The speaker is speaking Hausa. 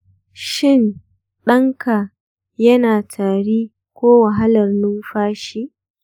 shin ɗanka yana tari ko wahalar numfashi?